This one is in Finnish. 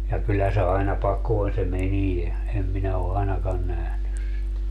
ja kyllä se aina pakoon se meni en minä ole ainakaan nähnyt sitä